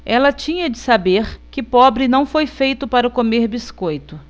ela tinha de saber que pobre não foi feito para comer biscoito